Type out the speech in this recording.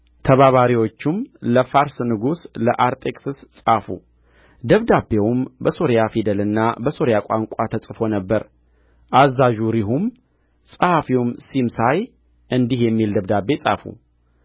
ተባባሪዎቹም ለፋርስ ንጉሥ ለአርጤክስስ ጻፉ ደብዳቤውም በሶርያ ፊደልና በሶርያ ቋንቋ ተጽፎ ነበር አዛዡ ሬሁም ጸሐፊውም ሲምሳይ በኢየሩሳሌም ላይ ለንጉሡ ለአርጤክስስ እንዲህ የሚል ደብዳቤ ጻፉ